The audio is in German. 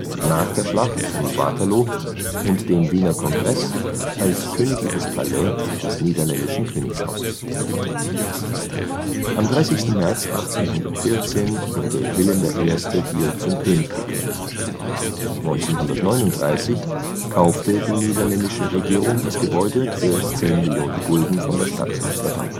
nach der Schlacht von Waterloo und dem Wiener Kongress als Königliches Palais des Niederländischen Königshauses. Am 30. März 1814 wurde Willem I. hier zum König gekrönt. 1939 kaufte die niederländische Regierung das Gebäude für 10 Millionen Gulden von der Stadt Amsterdam